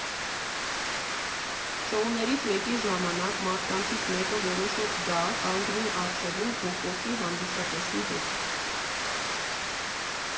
Շոուներից մեկի ժամանակ մարդկանցից մեկը որոշեց գա, կանգնի առջևում ու խոսի հանդիսատեսի հետ։